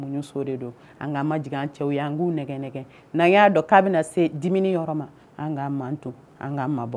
Muɲu so de do an k'an majigin an cɛw ye an k'u nɛgɛ nɛgɛ n'an y'a dɔn k'a bɛ na se dimini yɔrɔ ma an k'an manto an k'an ma bɔ